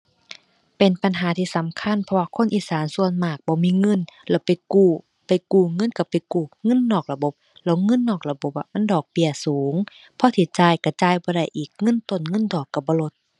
เป็นปัญหาที่สำคัญ เพราะว่าคนอีสานส่วนมากบ่มีเงิน แล้วไปกู้ ไปกู้เงินก็ไปกู้เงินนอกระบบ แล้วเงินดอกระบบอะ มันดอกเบี้ยสูง พอสิจ่ายก็จ่ายบ่ได้อีก เงินต้นเงินดอกก็บ่ลด